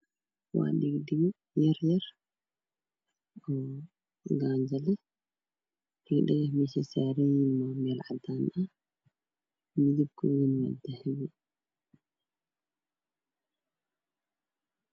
Waa dhagdhago yar yar dhagdhaguhu meesha ay saaran yihiin waa meel cad midabkooduna waa dahabi